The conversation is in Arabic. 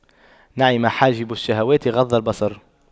نعم حاجب الشهوات غض البصر